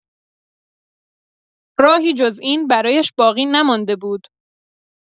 راهی جز این برایش باقی نمانده بود.